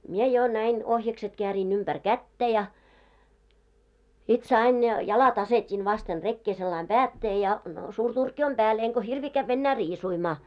minä jo näin ohjakset käärin ympäri kättä ja sitten sain - jalat asetin vasten rekeä sillä lailla päätteelle ja suuri turkki on päällä enkä hirviä käydä enää riisumaa